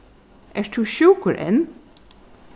ert tú sjúkur enn